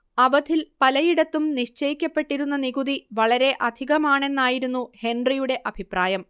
അവധിൽ പലയിടത്തും നിശ്ചയിക്കപ്പെട്ടിരുന്ന നികുതി വളരെ അധികമാണെന്നായിരുന്നു ഹെൻറിയുടെ അഭിപ്രായം